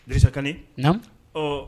Disa ka na